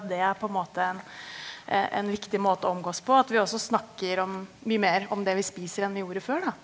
det er på en måte en en viktig måte å omgås på, at vi også snakker om mye mer om det vi spiser enn vi gjorde før da.